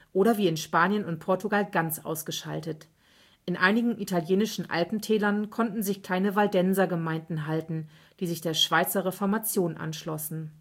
oder wie in Spanien und Portugal ganz ausgeschaltet. In einigen italienischen Alpentälern konnten sich kleine Waldenser­gemeinden halten, die sich der Schweizer Reformation anschlossen